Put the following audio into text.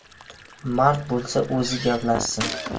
mard bo'lsa o'zi gaplashsin